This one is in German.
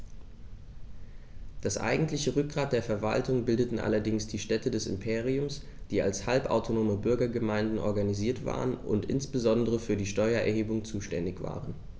Das eigentliche Rückgrat der Verwaltung bildeten allerdings die Städte des Imperiums, die als halbautonome Bürgergemeinden organisiert waren und insbesondere für die Steuererhebung zuständig waren.